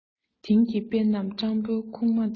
དེང གི དཔེ རྣམས སྤྲང བོའི ཁུག མ འདྲ